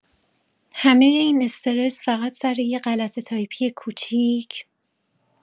همه این استرس فقط سر یه غلط تایپی کوچیک؟